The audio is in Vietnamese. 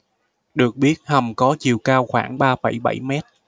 được biết hầm có chiều cao khoảng ba phẩy bảy mét